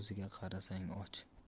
ko'ziga qarasang och